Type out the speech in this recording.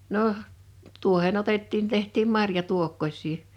no tuohen otettiin tehtiin marjatuokkosia